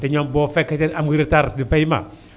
te ñoom boo fekkente ne amul retard de paiement